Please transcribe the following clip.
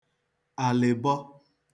àlịbọ